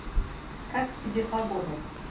как тебе погода